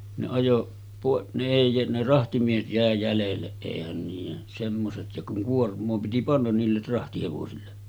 ne ajoi - ne ei ne rahtimiehet jäi jäljelle eihän niiden semmoiset ja kun kuormaa piti panna niille rahtihevosille